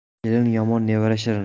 kelin yomon nevara shirin